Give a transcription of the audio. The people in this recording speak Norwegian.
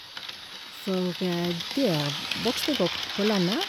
For der vokste jeg opp på landet.